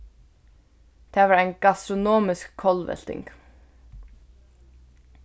tað var ein gastronomisk kollvelting